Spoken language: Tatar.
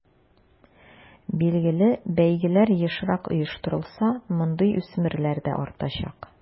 Билгеле, бәйгеләр ешрак оештырылса, мондый үсмерләр дә артачак.